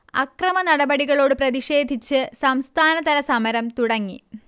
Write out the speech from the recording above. അക്രമനടപടികളോട് പ്രതിക്ഷേധിച്ച് സംസ്ഥാനതല സമരം തുടങ്ങി